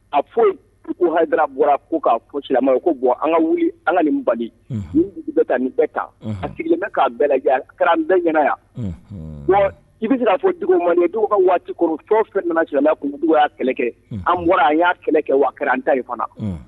A fo ko hadu bɔra ko' fɔ silamɛ ko an ka wuli an ka ni bali bɛ ni bɛɛ tan a sigilen k' bɛɛ an bɛɛ ɲɛna yan i bɛ k'a fɔ dugu man dugu ka waatikɔrɔ fɛn fɛn nana silamɛ kun dugu y'a kɛlɛ kɛ an bɔra an'a kɛlɛ kɛ an da fana